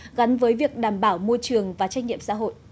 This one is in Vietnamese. gắn với việc đảm bảo môi trường và trách nhiệm xã hội